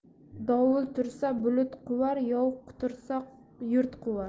dovul tursa bulut quvar yov qutursa yurt quvar